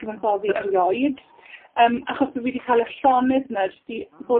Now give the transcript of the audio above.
cyfansoddi erioed, yym, achos bo' fi 'di ca'l y llonydd 'na jyst i bod